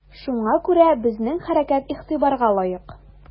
Шуңа күрә безнең хәрәкәт игътибарга лаек.